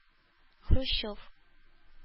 Хрущев